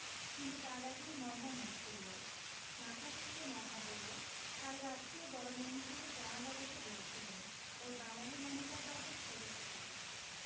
কিন্তু তার আগেই মদনা মুখ খুললো মাথা চুলকে মদনা বললো কাল রাত্রেই বড় মেমসাহেব জামাইবাবুকে বলছিলেন ওই বাঙালী ম্যানেজারবাবু ভেবেছে কী